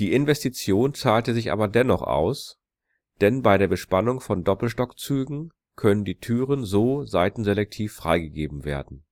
Investition zahlte sich aber dennoch aus, denn bei der Bespannung von Doppelstockzügen können die Türen so seitenselektiv freigegeben werden